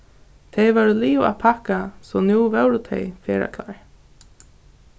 tey vóru liðug at pakka so nú vóru tey ferðaklár